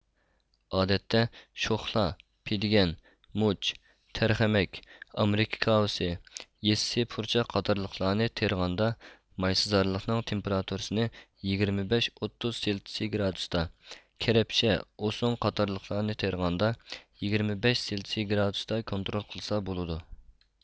ئادەتتە شوخلا پېدىگەن مۇچ تەرخەمەك ئامېرىكا كاۋىسى يېسسى پۇرچاق قاتارلىقلارنى تېرىغاندا مايسىزارلىقنىڭ تېمپېراتۇرىسىنى يىگىرمە بەش ئوتتۇز سېلتسي گرادۇستا كەرەپشە ئوسۇڭ قاتارلىقلارنى تېرىغاندا يىگىرمە بەش سېلىسىي گرادۇستا كونترول قىلسا بولىدۇ